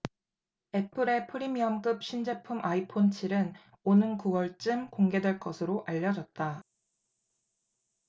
애플의 프리미엄급 신제품 아이폰 칠 은 오는 구 월쯤 공개될 것으로 알려졌다